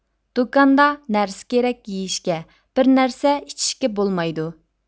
دۇكاندا نەرسە كېرەك يېيىشكە بىر نەرسە ئىچىشكە بولمايدۇ